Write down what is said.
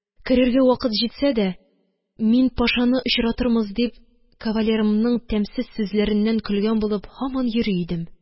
Керергә вакыт җитсә дә, мин, Пашаны очратырмыз дип, кавалерымның тәмсез сүзләреннән көлгән булып һаман йөри идем.